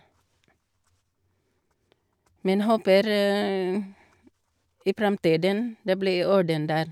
Men håper i fremtiden det blir orden der.